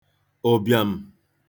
ụ̀bị̀àm̀